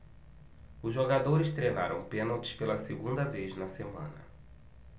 os jogadores treinaram pênaltis pela segunda vez na semana